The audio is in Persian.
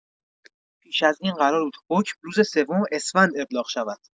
پیش از این قرار بود حکم، روز سوم اسفند ابلاغ شود.